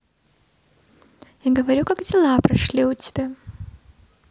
я говорю как дела прошли у тебя